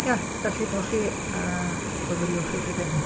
Ia, darllenwch hi a myfyriwch uwch ei phen hi.